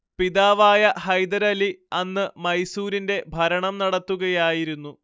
പിതാവായ ഹൈദരലി അന്ന് മൈസൂരിന്റെ ഭരണം നടത്തുകയായിരുന്നു